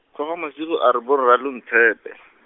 Kgogamasigo a re borra lo ntshepe .